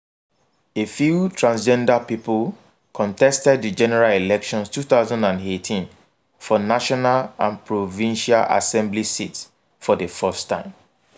A few Transgender people contested the General Elections 2018 for National and Provincial Assembly seats for the first time.